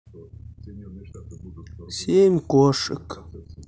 семь кошек